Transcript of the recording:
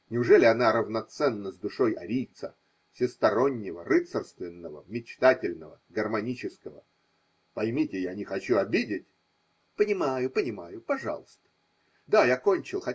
Неужели она равноценна с душой арийца, всестороннего, рыцарственного, мечтательного, гармонического? Поймите, я не хочу обидеть. – Понимаю, понимаю. Пожалуйста. – Да я кончил.